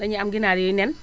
dañuy am ginaar yuy nen